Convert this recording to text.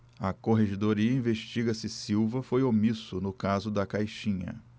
a corregedoria investiga se silva foi omisso no caso da caixinha